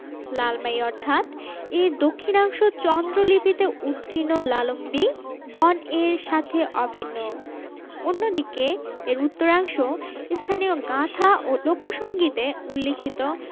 লালমাই অর্থাৎ এর দক্ষিণাংশ চন্দ্র লিপিতে উৎকীর্ণ লালম্বী বন এর সাথে অভিন্ন অন্যদিকে এর উত্তরাংশ স্থানীয় গাঁথা ও লোকসংগীতে উল্লিখিত